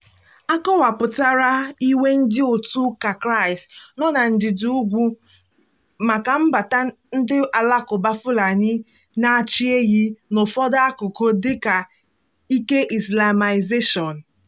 Akọwapụtara iwe ndị Otu Ụka Kraịst nọ na ndịda ugwu maka mbata ndị Alakụba Fulani na-achị ehi n'ụfọdụ akụkọ dịka ike 'Islamisation'.